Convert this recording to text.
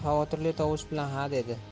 xavotirli tovush bilan ha dedi